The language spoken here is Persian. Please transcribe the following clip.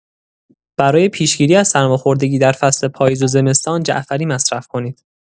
برای پیش‌گیری از سرماخوردگی در فصل پاییز و زمستان جعفری مصرف کنید!